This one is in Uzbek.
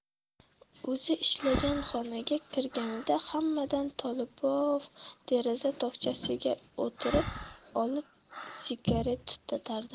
o'zi ishlagan xonaga kirganida hamdam tolipov deraza tokchasiga o'tirib olib sigaret tutatardi